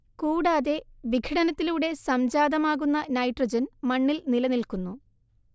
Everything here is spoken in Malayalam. കൂടാതെ വിഘടനത്തിലൂടെ സംജാതമാകുന്ന നൈട്രജൻ മണ്ണിൽ നിലനിൽക്കുന്നു